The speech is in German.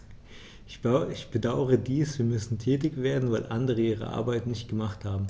Ich bedauere dies, denn wir müssen tätig werden, weil andere ihre Arbeit nicht gemacht haben.